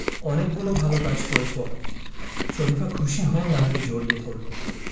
সংগৃহীত সৈয়দ শামসুল হক স্বপ্নের ভেতরে বসবাস এর অংশবিশেষ প্রাচীন বংশের নিঃস্ব সন্তান গ্রন্থের অন্তর্ভুক্ত